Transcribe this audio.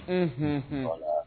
H